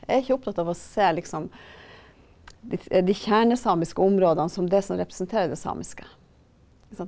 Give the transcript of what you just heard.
jeg er ikke opptatt av å se liksom de kjernesamiske områda som det som representerer det samiske sant.